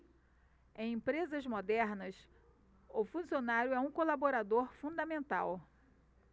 em empresas modernas o funcionário é um colaborador fundamental